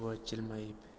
ermon buva jilmayib